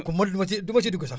man du ma ci du ma ci dugg sax